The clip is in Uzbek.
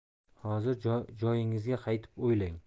hozir joyingizga qaytib o'ylang